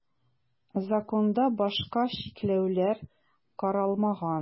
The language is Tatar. Законда башка чикләүләр каралмаган.